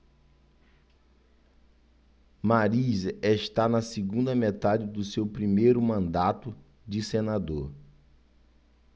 mariz está na segunda metade do seu primeiro mandato de senador